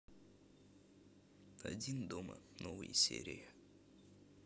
один дома новые серии